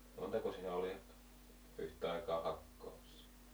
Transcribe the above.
montako siinä oli yhtä aikaa hakkaamassa